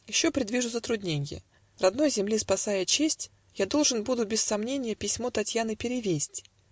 Еще предвижу затрудненья: Родной земли спасая честь, Я должен буду, без сомненья, Письмо Татьяны перевесть.